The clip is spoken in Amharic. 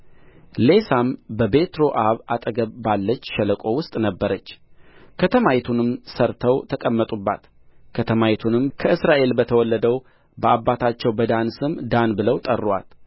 ሌሳም በቤትሮዖብ አጠገብ ባለች ሸለቆ ውስጥ ነበረች ከተማይቱንም ሠርተው ተቀመጡባት